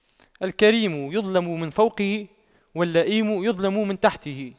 الكريم يظلم من فوقه واللئيم يظلم من تحته